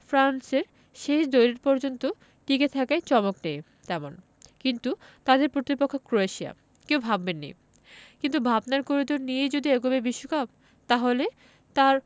ফ্রান্সের শেষ দ্বৈরথ পর্যন্ত টিকে থাকায় চমক নেই তেমন কিন্তু তাদের প্রতিপক্ষ ক্রোয়েশিয়া কেউ ভাবেননি কিন্তু ভাবনার করিডর দিয়েই যদি এগোবে বিশ্বকাপ তাহলে